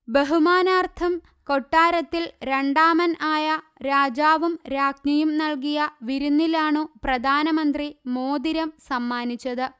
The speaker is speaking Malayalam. ബഹുമാനാർഥം കൊട്ടാരത്തിൽ രണ്ടാമൻആയ രാജാവും രാജ്ഞിയും നല്കിയ വിരുന്നിലാണു പ്രധാനമന്ത്രി മോതിരം സമ്മാനിച്ചത്